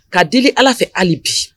K'a deli Ala fɛ hali bi